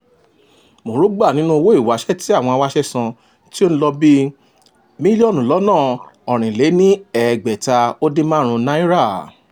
Moro gbà nínú owó ìwáṣẹ̀ tí àwọn awáṣẹ́ san tí ó ń lọ bíi mílíọ̀nù 675 náírà.